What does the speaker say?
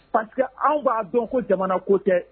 Paseke an b'a dɔn ko jamana ko kɛ